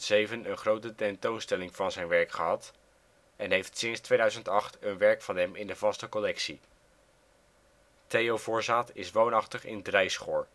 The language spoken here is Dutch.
2007 een grote tentoonstelling van zijn werk gehad, en heeft sinds 2008 een werk van hem in de vaste collectie. Theo Voorzaat is woonachtig in Dreischor